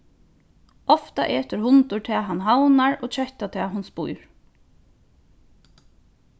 ofta etur hundur tað hann havnar og ketta tað hon spýr